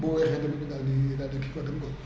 bu weexee tamit ñu daal di daal di kii quoi dem quoi